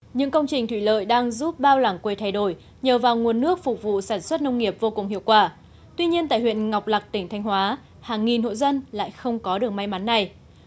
những công trình thủy lợi đang giúp bao làng quê thay đổi nhờ vào nguồn nước phục vụ sản xuất nông nghiệp vô cùng hiệu quả tuy nhiên tại huyện ngọc lặc tỉnh thanh hóa hàng nghìn hộ dân lại không có được may mắn này